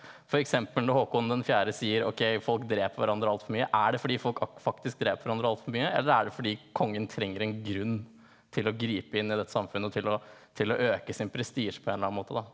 f.eks. når Håkon den fjerde sier ok folk dreper hverandre alt for mye er det fordi folk faktisk dreper hverandre alt for mye, eller er det fordi kongen trenger en grunn til å gripe inn i dette samfunnet og til å til å øke sin prestisje på en eller annen måte da.